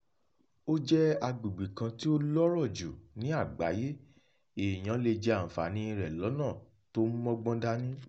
Ó jẹ́ agbègbè kan tí ó lọ́rọ̀ jù ní àgbáyé. Èèyàn lè jẹ àǹfààní rẹ̀ lọ́nà tó mọ́gbọ́n dání.